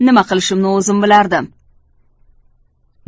nima qilishimni o'zim bilardim